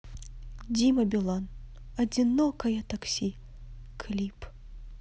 дима билан одинокое такси клип